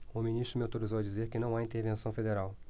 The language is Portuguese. o ministro me autorizou a dizer que não há intervenção federal